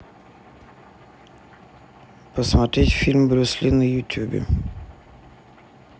посмотреть фильм брюс ли на ютубе